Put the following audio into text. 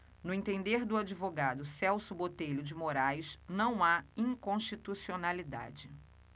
no entender do advogado celso botelho de moraes não há inconstitucionalidade